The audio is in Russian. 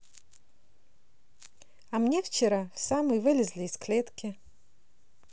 а мне вчера в самый вылезли из клетки